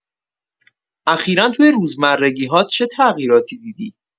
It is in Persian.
اخیرا توی روزمرگی‌هات چه تغییراتی دیدی؟